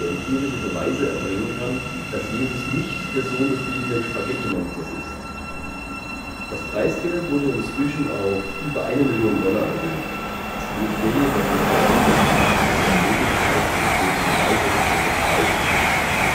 empirische Beweise erbringen kann, dass Jesus nicht der Sohn des Fliegenden Spaghettimonsters ist. “– Boing Boing’ s $ 250,000 Intelligent Design challenge Das Preisgeld wurde inzwischen auf über eine Million Dollar erhöht. Es geht hier jedoch nur darum, das Prinzip der Unmöglichkeit eines solchen Beweises zu unterstreichen: